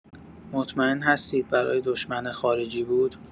مطمئن هستید برا دشمن خارجی بود؟